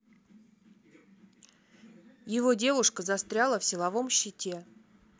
его девушка застряла в силовом щите